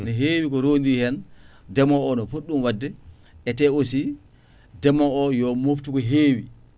ne hewi ko rondi hen ndeemowo o no foti ɗum wadde ete aussi ndeemowo o yo moftu ko hewi